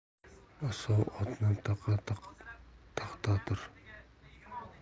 asov otni taqa to'xtatar